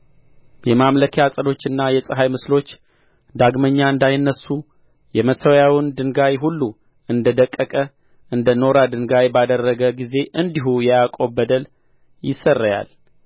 የማምለኪያ ዐፀዶችና የፀሐይ ምስሎች ዳግመኛ እንዳይነሡ የመሠዊያውን ድንጋይ ሁሉ እንደ ደቀቀ እንደ ኖራ ድንጋይ ባደረገ ጊዜ እንዲሁ የያዕቆብ በደል ይሰረያል